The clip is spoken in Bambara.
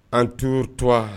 An t'utura